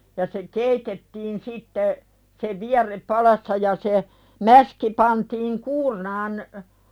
ja se keitettiin sitten se vierre padassa ja se mäski pantiin kuurnaan